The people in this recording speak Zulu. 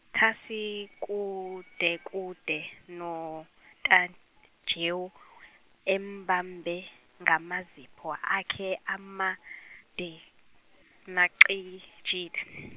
thasi kudekude noTajewo embambe ngamazipho akhe amade nacijile.